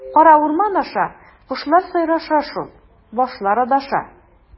Кара урман аша, кошлар сайраша шул, башлар адаша.